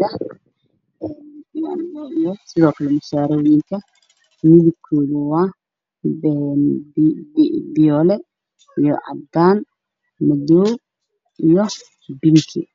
yaallo dhalooyin ay ku jiraan biyo waxaa ku jira tuubacdan